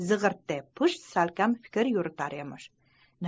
zig'irday pusht salkam fikr yuritar emish